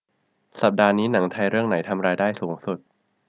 สัปดาห์นี้หนังไทยเรื่องไหนทำรายได้สูงสุด